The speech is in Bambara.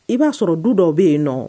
I b'a sɔrɔ du dɔw bɛ yen nɔ